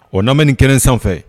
O na nin kelen sanfɛ